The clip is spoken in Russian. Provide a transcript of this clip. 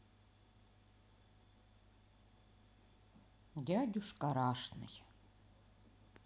дядюшка рашный